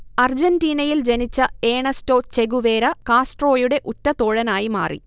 അർജന്റീനയിൽ ജനിച്ച Ernesto Che Guevara, കാസ്ട്രോയുടെ ഉറ്റതോഴനായി മാറി